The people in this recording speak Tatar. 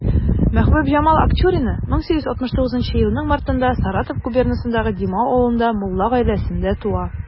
Мәхбүбҗамал Акчурина 1869 елның мартында Саратов губернасындагы Димау авылында мулла гаиләсендә туа.